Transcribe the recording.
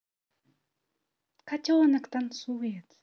котенок танцует